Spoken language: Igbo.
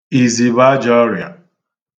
Izi bụ ajọ ọrịa